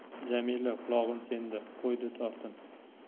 jamila qulog'im senda qo'ydi tortinib